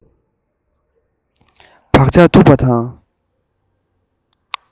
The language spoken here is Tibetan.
བག ཆགས འཐུག པ དང